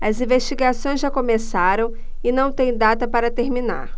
as investigações já começaram e não têm data para terminar